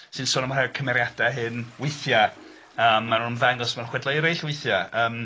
..sy'n sôn am rhai o'r cymeriadau hyn weithiau a maen nhw'n ymddangos mewn chwedlau eraill weithiau yym.